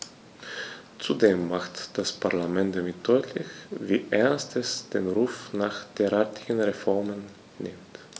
Zudem macht das Parlament damit deutlich, wie ernst es den Ruf nach derartigen Reformen nimmt.